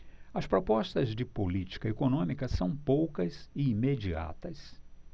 as propostas de política econômica são poucas e imediatas